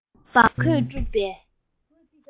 འབག གོས བཀླུབས པའི